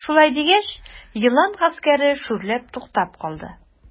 Шулай дигәч, елан гаскәре шүрләп туктап калды.